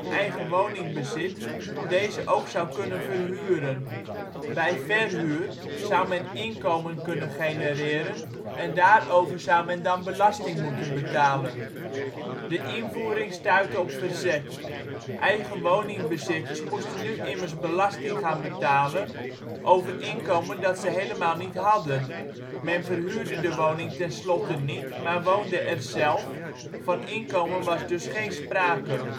eigen woning bezit, deze ook zou kunnen verhuren. Bij verhuur zou men inkomen kunnen genereren en daarover zou men dan belasting moeten betalen. De invoering stuitte op verzet. Eigenwoningbezitters moesten nu immers belasting gaan betalen over inkomen dat ze helemaal niet hadden, men verhuurde de woning tenslotte niet maar woonde er zelf - van inkomen was dus geen sprake